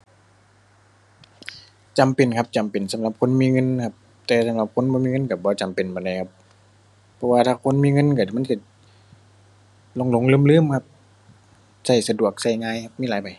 จำเป็นครับ จำเป็นสำหรับคนมีเงินนะครับ แต่สำหรับคนบ่มีเงินก็บ่จำเป็นปานใดครับ เพราะว่าถ้าคนมีเงินก็ มันก็หลงหลงลืมลืมครับ ก็สะดวก ก็ง่าย มีหลายใบ